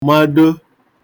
mado